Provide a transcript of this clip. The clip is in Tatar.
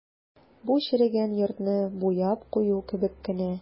Бу черегән йортны буяп кую кебек кенә.